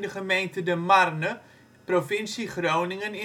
gemeente De Marne, provincie Groningen